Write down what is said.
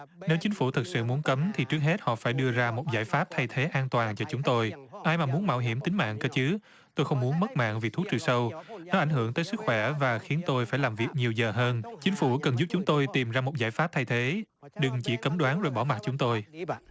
nếu chính phủ thực sự muốn cấm thì trước hết họ phải đưa ra một giải pháp thay thế an toàn cho chúng tôi ai mà muốn mạo hiểm tính mạng cơ chứ tôi không muốn mất mạng vì thuốc trừ sâu đã ảnh hưởng tới sức khỏe và khiến tôi phải làm việc nhiều giờ hơn chính phủ cần giúp chúng tôi tìm ra một giải pháp thay thế đừng chỉ cấm đoán rồi bỏ mặc chúng tôi